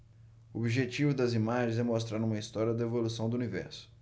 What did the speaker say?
o objetivo das imagens é mostrar uma história da evolução do universo